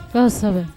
' kosɛbɛ